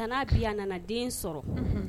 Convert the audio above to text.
San'ya a nana den sɔrɔ